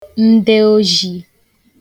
ndeojī